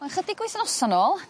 mae'n chydig wythnosa nôl